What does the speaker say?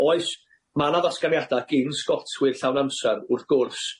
Oes, ma' 'na ddatganiada gin 'sgotwyr llawn amsar, wrth gwrs,